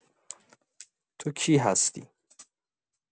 تو کی هستی؟